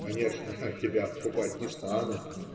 Конечно, тебя покупать не стану.